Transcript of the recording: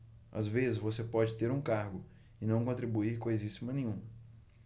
às vezes você pode ter um cargo e não contribuir coisíssima nenhuma